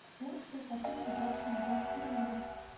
Ул шулхәтле чибәр һәм яшь күренә